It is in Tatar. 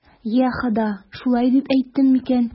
Йа Хода, шулай дип әйттем микән?